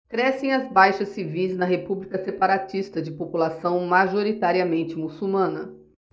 crescem as baixas civis na república separatista de população majoritariamente muçulmana